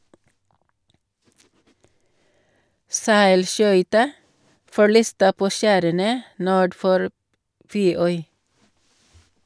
Seilskøyta forliste på skjærene nord for Feøy.